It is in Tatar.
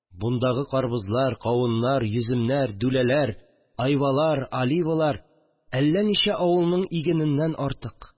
Бундагы карбызлар, кавыннар, йөземнәр, дүләләр1 , айвалар, сливалар әллә ничә авылның игененнән артык